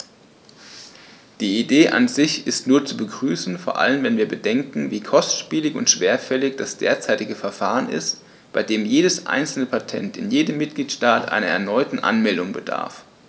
Die Idee an sich ist nur zu begrüßen, vor allem wenn wir bedenken, wie kostspielig und schwerfällig das derzeitige Verfahren ist, bei dem jedes einzelne Patent in jedem Mitgliedstaat einer erneuten Anmeldung bedarf.